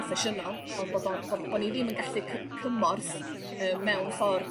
...Proffesiynol ond bod o bod bo' ni ddim yn gallu cy- cymorth yy mewn ffor